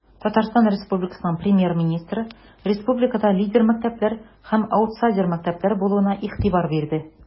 ТР Премьер-министры республикада лидер мәктәпләр һәм аутсайдер мәктәпләр булуына игътибар бирде.